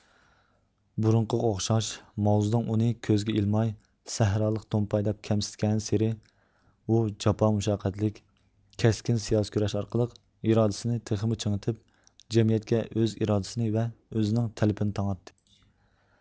بۇرۇنقىغا ئوخشاشلا ماۋزېدۇڭ ئۇنى كۆزگە ئىلماي سەھرالىق تومپاي دەپ كەمسىتكەنسېرى ئۇ جاپا مۇشەققەتلىك كەسكىن سىياسىي كۈرەش ئارقىلىق ئىرادىسىنى تېخىمۇ چىڭىتىپ جەمئىيەتكە ئۆز ئىرادىسىنى ۋە ئۆزىنىڭ تەلىپىنى تاڭاتتى